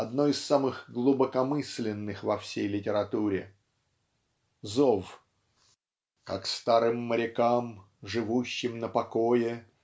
одно из самых глубокомысленных во всей литературе ЗОВ Как старым морякам живущим на покое